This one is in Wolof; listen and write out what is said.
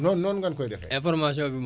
foo munti nekk si réew mi